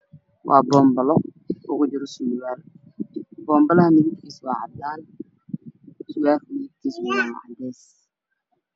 Waa baan bara ugu jiraan waan baraha ka dharkiisu waa cadan iswallowsna waa caddaan